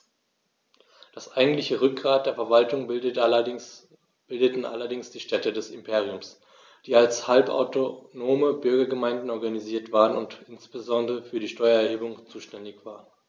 Das eigentliche Rückgrat der Verwaltung bildeten allerdings die Städte des Imperiums, die als halbautonome Bürgergemeinden organisiert waren und insbesondere für die Steuererhebung zuständig waren.